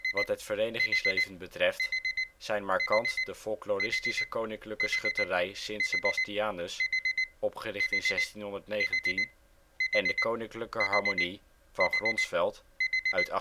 Wat het vereningsleven betreft, zijn markant de folkloristische Koninklijke Schutterij Sint Sebastianus opgericht in 1619 en de Koninklijke Harmonie van Gronsveld uit